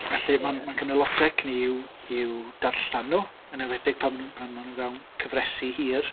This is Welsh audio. Felly mae'n mae'n cymryd lot o egni i'w i'w darllen nhw, yn enwedig pan maen nhw pan maen nhw fewn cyfresi hir.